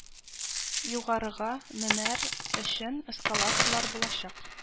Югарыга менәр өчен эскалаторлар булачак